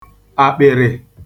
àkpị̀rị̀